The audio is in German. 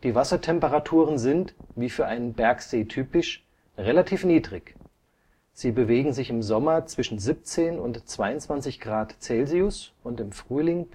Wassertemperaturen sind, wie für einen Bergsee typisch, relativ niedrig. Sie bewegen sich im Sommer zwischen 17 und 22 °C und im Frühling/Herbst